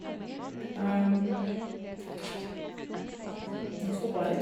Nå stoppa jeg litt.